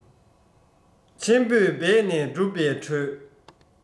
ཆེན པོས འབད ནས བསྒྲུབས པའི གྲོས